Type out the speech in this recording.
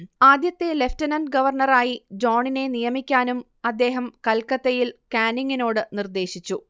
ആദ്യത്തെ ലെഫ്റ്റനന്റ് ഗവർണറായി ജോണിനെ നിയമിക്കാനും അദ്ദേഹം കൽക്കത്തയിൽ കാനിങ്ങിനോട് നിർദ്ദേശിച്ചു